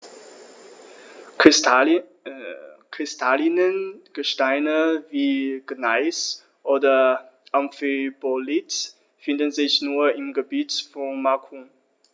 Kristalline Gesteine wie Gneis oder Amphibolit finden sich nur im Gebiet von Macun.